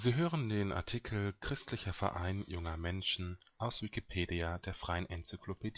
hören den Artikel Christlicher Verein Junger Menschen, aus Wikipedia, der freien Enzyklopädie